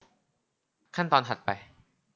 ขั้นตอนถัดไป